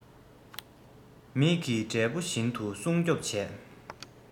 མིག གི འབྲས བུ བཞིན དུ སྲུང སྐྱོབ བྱས